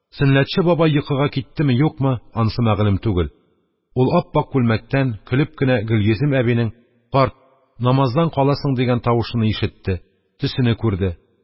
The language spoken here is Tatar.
Сөннәтче бабай йокыга киттеме-юкмы, ансы мәгълүм түгел – ул ап-ак күлмәктән, көлеп кенә, Гөлйөзем әбинең: «Карт, намаздан каласың!» – дигән тавышыны ишетте, төсене күрде.